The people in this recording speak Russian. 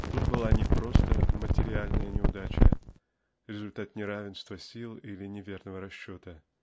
Тут была не просто материальная неудача -- результат неравенства сил или неверного расчета